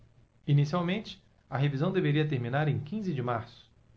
inicialmente a revisão deveria terminar em quinze de março